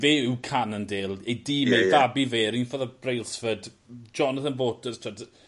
...fe yw Cannondale ei dîm ei fabi fe 'r un fath â Brailsford Jonathan Vaughters t'wod